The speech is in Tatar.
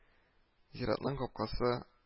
Зиратның капкасы